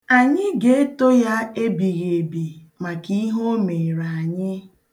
Anyị ga-eto ya ebighịebi maka ihe o meere anyị.